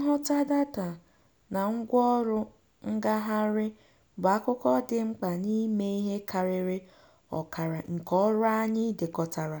Nhụta data na ngwaọrụ ngagharị bụ akụkụ dị mkpa n'ime ihe karịrị ọkara nke ọrụ anyị dekọtara,